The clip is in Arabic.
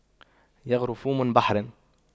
يَغْرِفُ من بحر